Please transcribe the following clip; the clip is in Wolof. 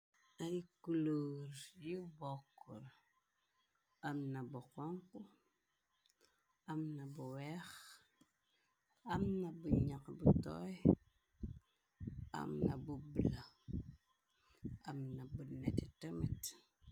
Ay kuloor yu bokkul, amna bu xonxu, amna bu weex, amna bu ñax bu toy, amna bu bula, amna bu nete temit.